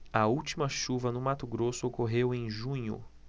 a última chuva no mato grosso ocorreu em junho